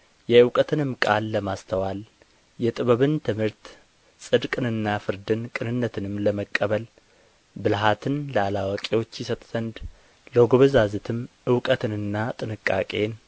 የእውቀትንም ቃል ለማስተዋል የጥበብን ትምህርት ጽድቅንና ፍርድን ቅንነትንም ለመቀበል ብልሃትን ለአላዋቂዎች ይሰጥ ዘንድ ለጐበዛዝትም እውቀትንና ጥንቃቄን